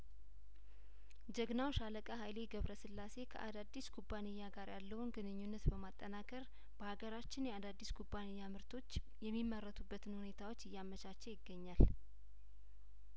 ጀግናው ሻለቃ ሀይሌ ገብረስላሴ ከአዳዲስ ኩባንያ ጋር ያለውን ግንኙነት በማጠናከር በሀገራችን የአዳዲስ ኩባንያ ምርቶች የሚመረቱበትን ሁኔታዎች እያመቻቸ ይገኛል